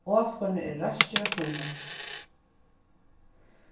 áskoðararnir eru raskir at stuðla